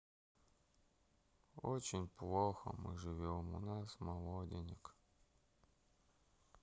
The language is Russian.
очень плохо мы живем у нас молоденек